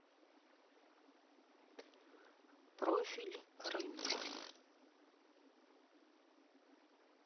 профиль рынка